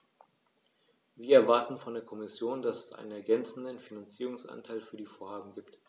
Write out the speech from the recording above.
Wir erwarten von der Kommission, dass es einen ergänzenden Finanzierungsanteil für die Vorhaben gibt.